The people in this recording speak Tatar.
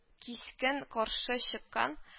Кискен каршы чыккан